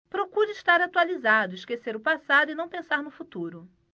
procuro estar atualizado esquecer o passado e não pensar no futuro